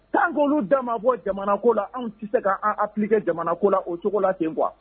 'koolu da ma bɔ jamana ko la an tɛ se k'ankɛ jamanako la o cogo la ten kuwa